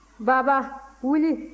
baba wuli